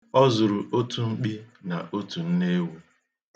Ọ zụrụ otu mkpi na otu nne ewu.